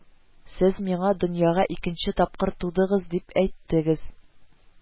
Сез миңа, дөньяга икенче тапкыр тудыгыз, дип әйттегез